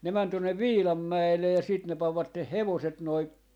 ne meni tuonne Viilanmäelle ja sitten ne panivat hevoset noin